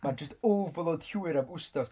Ma'n jyst overload llwyr am wsnos!